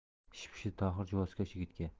shipshidi tohir juvozkash yigitga